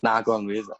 Nagon wir